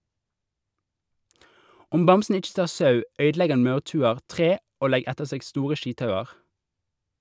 Om bamsen ikkje tar sau, øydelegg han maurtuer, tre og legg etter seg store skithaugar.